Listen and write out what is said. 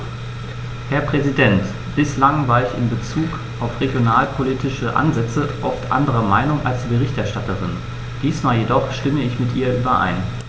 Herr Präsident, bislang war ich in bezug auf regionalpolitische Ansätze oft anderer Meinung als die Berichterstatterin, diesmal jedoch stimme ich mit ihr überein.